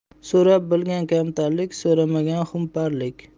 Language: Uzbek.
so'rab bilgan kamtarlik so'ramagan xumpariik